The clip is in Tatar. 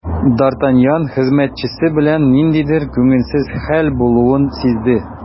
Д’Артаньян хезмәтчесе белән ниндидер күңелсез хәл булуын сизде.